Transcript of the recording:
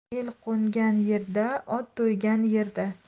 el qo'ngan yerda ot to'ygan yerda